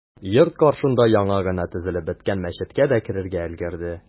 Йорт каршында яңа гына төзелеп беткән мәчеткә дә керергә өлгерде.